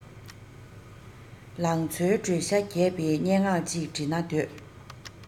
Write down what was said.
ལང ཚོའི དྲོད ཤ རྒྱས པའི སྙན ངག ཅིག འབྲི ན འདོད